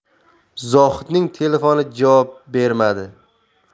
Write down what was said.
zohidning telefoni javob bermadi